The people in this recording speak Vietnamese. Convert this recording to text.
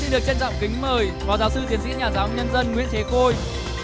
xin được trân trọng kính mời phó giáo sư tiến sĩ nhà giáo nhân dân nguyễn thế khôi